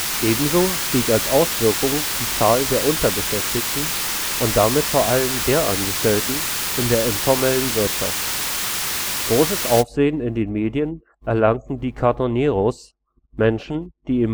Ebenso stieg als Auswirkung die Zahl der Unterbeschäftigten und damit vor allem der Angestellten in der informellen Wirtschaft. Großes Aufsehen in den Medien erlangten die Cartoneros, Menschen, die